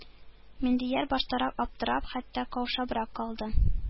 Миндияр баштарак аптырап, хәтта каушабрак калды.